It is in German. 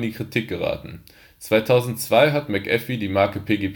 Kritik geraten. 2002 hat McAfee die Marke PGP